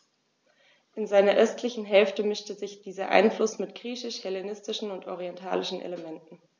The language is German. In seiner östlichen Hälfte mischte sich dieser Einfluss mit griechisch-hellenistischen und orientalischen Elementen.